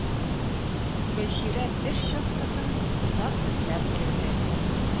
Гөлчирә теш щеткасын озак эзләп йөрде.